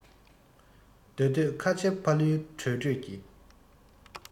འདོད འདོད ཁ ཆེ ཕ ལུའི གྲོས གྲོས ཀྱི